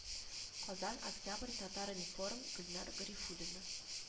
Казан октябрь татар-информ гөлнар гарифуллина